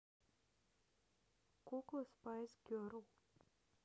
куклы спайс герл